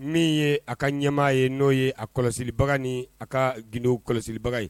Min ye a ka ɲɛmaa ye n'o ye a kɔlɔsi bagan ni a ka gindo kɔlɔsibaga ye